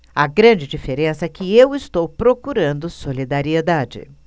a grande diferença é que eu estou procurando solidariedade